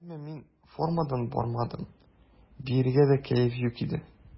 Әмма мин формадан бардым, биергә дә кәеф юк иде.